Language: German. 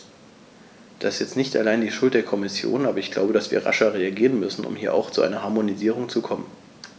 Das ist jetzt nicht allein die Schuld der Kommission, aber ich glaube, dass wir rascher reagieren müssen, um hier auch zu einer Harmonisierung zu kommen.